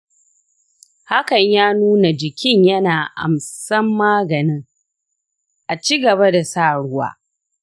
hakan ya nuna jikin yana ansan maganin; a cigaba da sa ruwa.